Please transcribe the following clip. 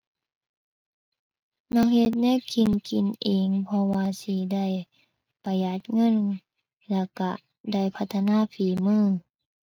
หนูเฮ็ดแนวกิน กินเอง เพราะว่าสิได้ประหยัดเงินแล้วก็ได้พัฒนาฝีมือ